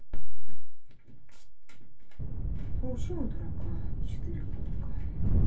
получила дурака и четыре кулака